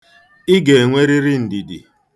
Ị ga-enwerịrị ndidi.